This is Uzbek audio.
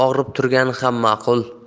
og'rib turgani ham maqul